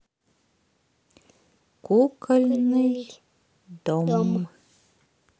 кукольный дом